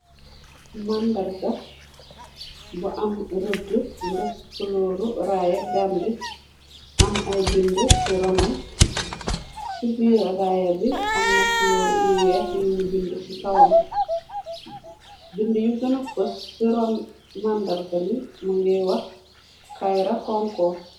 Màndarga bu am rëda nu def ci culor raaya Gambia am ay binda ci ronam ci bir raaya bi amna culor yu weex yuñu binda ci kawam binda yu gëna fos ci ruun màndarga mi mogay wax kayrakonko.